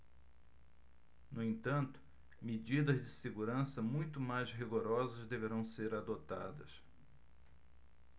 no entanto medidas de segurança muito mais rigorosas deverão ser adotadas